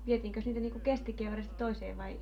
vietiinkös niitä niin kuin kestikievarista toiseen vai